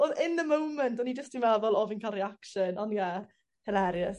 o'dd in the moment o'n i jyst 'di meddwl o fi'n ca'l reaction. On' ie. Hilarious.